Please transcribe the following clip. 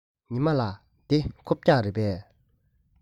ཉི མ ལགས འདི རྐུབ བཀྱག རེད པས